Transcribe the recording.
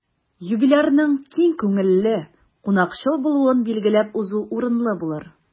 Юбилярның киң күңелле, кунакчыл булуын билгеләп узу урынлы булыр.